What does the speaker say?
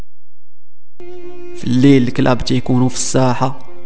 ليلك لابد يكون في الساحه